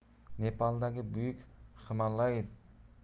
nepaldagi buyuk himalay